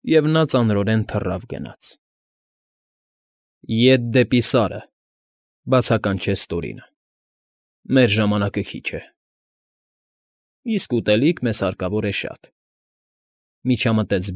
Եվ նա ծանրորեն թռավ գնաց։ ֊ Ետ դեպի Սարը,֊ բացականչեց Տորինը։֊ Մեր ժամանակը քիչ է։ ֊ Իսկ ուտելիք մեզ հարկավոր է շատ,֊ միջամտեց։